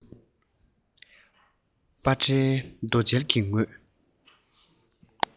པ ཊའི རྡོ གཅལ གྱི ངོས